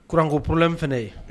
Kurankoorolenin fana ye